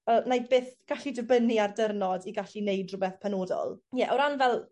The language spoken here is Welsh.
fel 'nai byth gallu dibynnu ar di'rnod i gallu neud rhwbeth penodol. Ie o ran fel